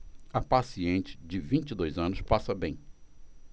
a paciente de vinte e dois anos passa bem